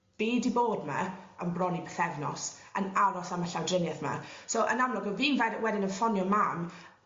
Fi 'di bod 'ma am bron i pythefnos yn aros am y llawdrinieth 'ma so yn amlwg o fi'n fe- wedyn yn ffonio mam